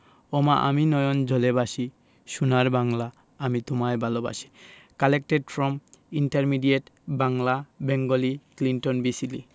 জলে ভাসি সোনার বাংলা আমি তোমায় ভালবাসি collected from intermediate Bangla Bengali Clinton B Seely